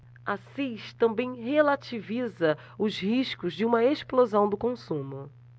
assis também relativiza os riscos de uma explosão do consumo